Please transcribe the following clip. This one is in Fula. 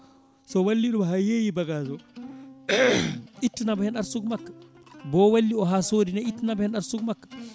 so walli ɗum ha yeeyoyi bagage o ittanamo hen arsugue makko mo walli o ha soodi ne ittanamo hen arsugue makko